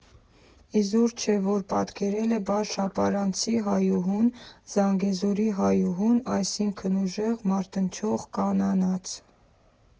Իզուր չէ, որ պատկերել է բաշ֊ապարանցի հայուհուն, զանգեզուրի հայուհուն՝ այսինքն ուժեղ, մարտնչող կանանաց։